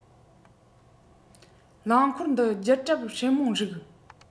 རླངས འཁོར འདི རྒྱུན གྲབས སྲེ མོང རིགས